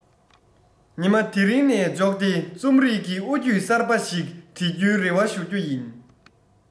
ཉི མ དེ རིང ནས འཇོག སྟེ རྩོམ རིག གི དབུ ཁྱུད གསར པ ཞིག འབྲི རྒྱུའི རེ བ ཞུ རྒྱུ ཡིན